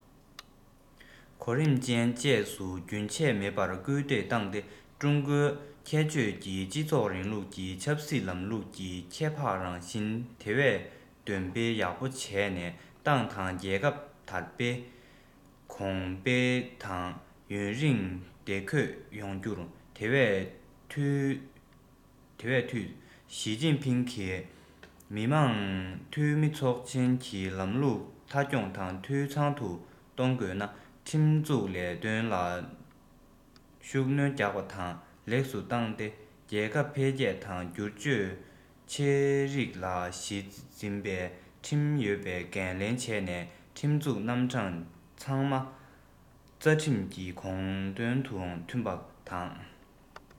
གོ རིམ ཅན བཅས སུ རྒྱུན ཆད མེད པར སྐུལ འདེད བཏང སྟེ ཀྲུང གོའི ཁྱད ཆོས ཀྱི སྤྱི ཚོགས རིང ལུགས ཀྱི ཆབ སྲིད ལམ ལུགས ཀྱི ཁྱད འཕགས རང བཞིན དེ བས འདོན སྤེལ ཡག པོ བྱས ནས ཏང དང རྒྱལ ཁབ དར རྒྱས གོང འཕེལ དང ཡུན རིང བདེ འཁོད ཡོང རྒྱུར དེ བས འཐུས ཞིས ཅིན ཕིང གིས མི དམངས འཐུས མི ཚོགས ཆེན གྱི ལམ ལུགས མཐའ འཁྱོངས དང འཐུས ཚང དུ གཏོང དགོས ན ཁྲིམས འཛུགས ལས དོན ལ ཤུགས སྣོན རྒྱག པ དང ལེགས སུ བཏང སྟེ རྒྱལ ཁབ འཕེལ རྒྱས དང སྒྱུར བཅོས ཆེ རིགས ལ གཞི འཛིན སའི ཁྲིམས ཡོད པའི འགན ལེན བྱས ནས ཁྲིམས འཛུགས རྣམ གྲངས ཚང མ རྩ ཁྲིམས ཀྱི དགོངས དོན དང མཐུན པ དང